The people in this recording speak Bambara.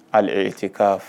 Hali tɛ ka